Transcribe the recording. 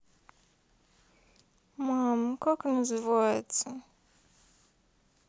мам как называется